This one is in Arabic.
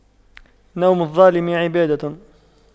نوم الظالم عبادة